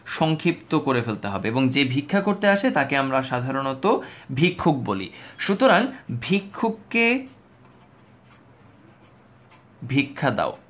সংক্ষিপ্ত করে ফেলতে হবে এবং যে ভিক্ষা করতে আসে তাকে আমরা সাধারণত ভিক্ষুক বলি সুতরাং ভিক্ষুককে ভিক্ষা দাও